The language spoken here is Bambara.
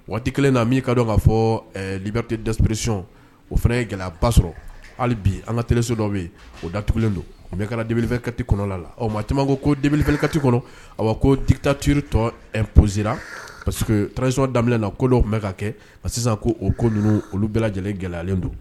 Waati kelen na min ka dɔn ka fɔ libite daprisiy o fana ye gɛlɛyaba sɔrɔ hali bi an ka teliso dɔ bɛ yen o datugulen don u bɛ kɛra denbelefe kati kɔnɔ la o ma tema ma ko denele kati kɔnɔ a kotati tɔ ɛ psi parce que tsiɔn damin na ko dɔw tun bɛ ka kɛ sisan ko o ko ninnu olu bɛɛ lajɛlen gɛlɛyalen don